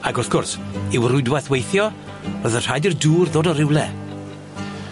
Ag wrth gwrs, i'w rwydwaith weithio, roedd yn rhaid i'r dŵr ddod o rywle.